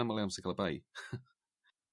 amal iawn sy'n ca'l y bei .